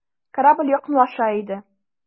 Корабль якынлаша иде.